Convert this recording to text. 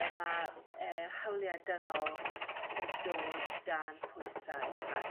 ee ma' ee hawlia' dynol yn dod dan pwysau ac